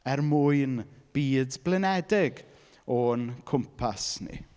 Er mwyn byd blinedig o'n cwmpas ni.